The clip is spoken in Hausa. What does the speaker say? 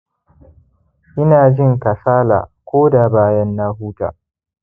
ina jin kasala ko da bayan na huta